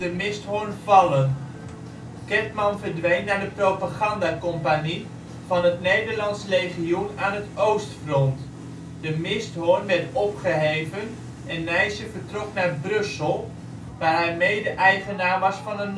Misthoorn vallen. Kettmann verdween naar de Propaganda-Kompanie van het Nederlands Legioen aan het oostfront, De Misthoorn werd opgeheven en Nijsse vertrok naar Brussel waar hij mede-eigenaar was van een